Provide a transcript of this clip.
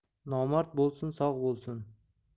nomard bo'lsin sog' bo'lsin